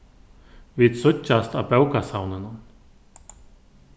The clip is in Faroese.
vit síggjast á bókasavninum